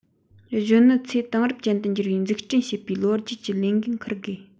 གཞོན ནུ ཚོས དེང རབས ཅན དུ འགྱུར བའི འཛུགས སྐྲུན བྱེད པའི ལོ རྒྱུས ཀྱི ལས འགན ཁུར དགོས